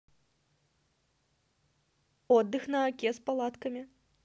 отдых на оке с палатками